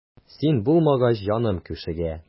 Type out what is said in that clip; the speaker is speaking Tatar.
Син булмагач җаным күшегә.